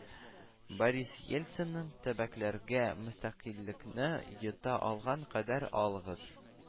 Борис Ельцинның төбәкләргә “мөстәкыйльлекне йота алган кадәр алыгыз”